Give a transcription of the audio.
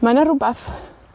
mae 'na rwbath